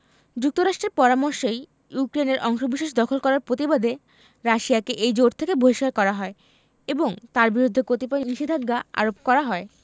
যুক্তরাষ্ট্রের পরামর্শেই ইউক্রেনের অংশবিশেষ দখল করার প্রতিবাদে রাশিয়াকে এই জোট থেকে বহিষ্কার করা হয় এবং তার বিরুদ্ধে কতিপয় নিষেধাজ্ঞা আরোপ করা হয়